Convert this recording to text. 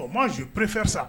Oh, moi je prefère ça!